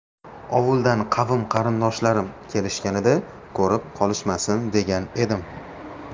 ovuldan qavm qarindoshlarim kelishganida ko'rib qolishmasin degan edim